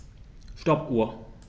Stoppuhr.